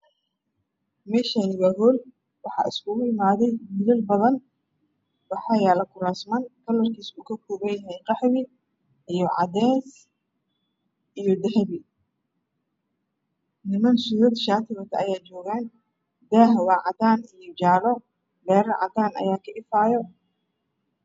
Meshani waa hool waxa iskugu imade wilal badan waxa yalo korasman kalarkisa ka koban yahy qaxwe iyo cadees iyo dahabi niman sudad shati wato aya jogan daha waa cadan iyo jalo leyrar cadan aya ka ifayo